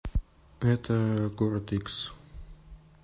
это город х